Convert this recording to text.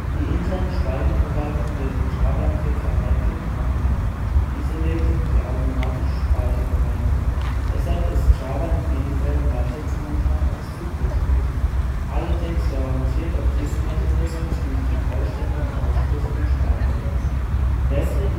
interne Speicherverwaltung wird dem Java-Entwickler weitgehend abgenommen; dies erledigt die automatische Speicherbereinigung. Deshalb ist Java in vielen Fällen leichter zu handhaben als C++. Allerdings garantiert auch dieser Mechanismus nicht den vollständigen Ausschluss von Speicherlecks. Letztlich